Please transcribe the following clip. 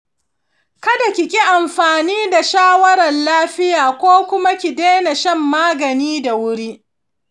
kada ki ƙi amfani da shawaran lafiya ko kuma ki daina shan magani da wuri.